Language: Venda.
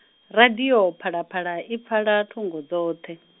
radio, Phalaphala, ipfala, thungo dzoṱhe.